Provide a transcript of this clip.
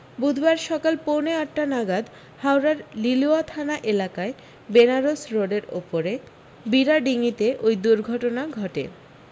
বুধবার সকাল পৌনে আটটা নাগাদ হাওড়ার লিলুয়া থানা এলাকায় বেনারস রোডের উপরে বিড়াডিঙিতে ওই দুর্ঘটনা ঘটে